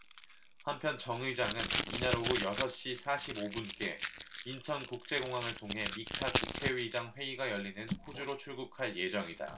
한편 정 의장은 이날 오후 여섯 시 사십 오 분께 인천국제공항을 통해 믹타 국회의장 회의가 열리는 호주로 출국할 예정이다